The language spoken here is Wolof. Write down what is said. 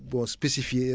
bon spécifiée